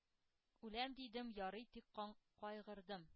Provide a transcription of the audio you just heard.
Үләм, дидем, ярый, тик кайгырдым,